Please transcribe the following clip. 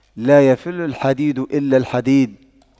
لا يَفُلُّ الحديد إلا الحديد